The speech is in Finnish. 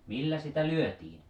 millä sitä lyötiin